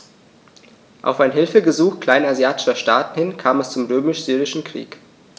Auf ein Hilfegesuch kleinasiatischer Staaten hin kam es zum Römisch-Syrischen Krieg.